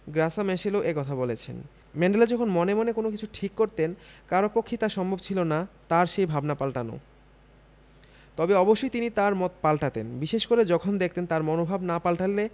Graca ম্যাশেলও এ কথা বলেছেন ম্যান্ডেলা যখন মনে মনে কোনো কিছু ঠিক করতেন কারও পক্ষেই তা সম্ভব ছিল না তাঁর সেই ভাবনা পাল্টানো তবে অবশ্যই তিনি তাঁর মত পাল্টাতেন বিশেষ করে যখন দেখতেন তাঁর মনোভাব না পাল্টালে